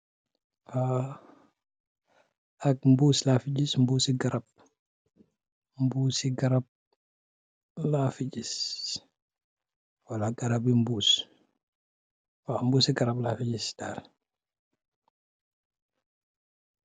Ak mbuus la fi gis, mbuusi garap. Mbuusi garab, laa fi gis, Wala garabi mbuus. Waaw, mbuusi garab laa fi gis daali.